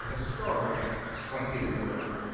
Это сторож схватил его.